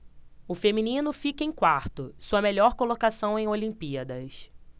o feminino fica em quarto sua melhor colocação em olimpíadas